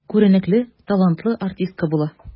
Күренекле, талантлы артистка була.